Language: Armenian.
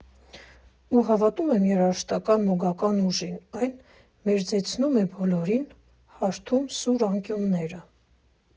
Ու հավատում եմ երաժշտության մոգական ուժին, այն մերձեցնում է բոլորին, հարթում սուր անկյունները։